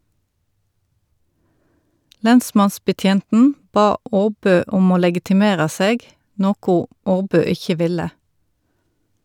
Lensmannsbetjenten bad Åbø om å legitimera seg, noko Åbø ikkje ville.